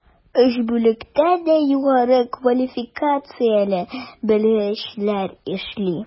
Өч бүлектә дә югары квалификацияле белгечләр эшли.